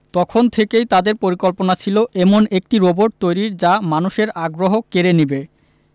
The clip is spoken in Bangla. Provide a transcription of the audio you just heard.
তখন থেকেই তাদের পরিকল্পনা ছিল এমন একটি রোবট তৈরির যা মানুষের আগ্রহ কেড়ে নেবে